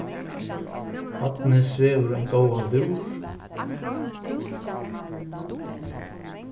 barnið svevur ein góðan lúr